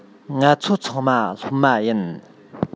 ང ཚོ ཚང མ སློབ མ ཡིན